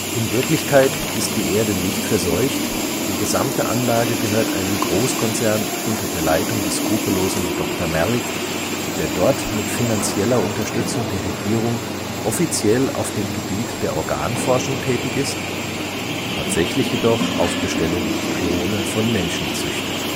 In Wirklichkeit ist die Erde nicht verseucht; die gesamte Anlage gehört einem Großkonzern unter der Leitung des skrupellosen Dr. Merrick, der dort mit finanzieller Unterstützung der Regierung offiziell auf dem Gebiet der Organforschung tätig ist, tatsächlich jedoch auf Bestellung Klone von Menschen züchtet